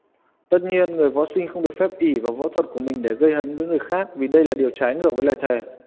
tất nhiên người võ sinh không được phép ỷ vào võ thuật của mình để gây hấn với người khác vì đây là điều trái ngược với lời thề